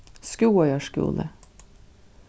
skúvoyar skúli